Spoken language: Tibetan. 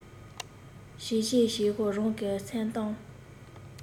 བྱིལ བྱིལ བྱེད ཞོར རང གི སེམས གཏམ